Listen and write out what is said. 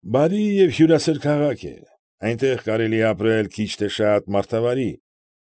Բարի և հյուրասեր քաղաք է։ Այնտեղ կարելի է ապրել քիչ թե շատ մարդավարի։